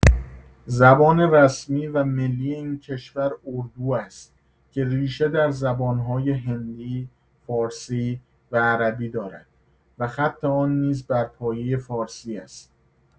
زبان رسمی و ملی این کشور اردو است که ریشه در زبان‌های هندی، فارسی و عربی دارد و خط آن نیز بر پایه فارسی است.